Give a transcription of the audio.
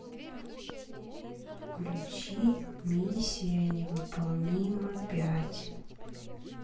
включи миссия невыполнима пять